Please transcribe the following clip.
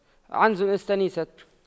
عنز استتيست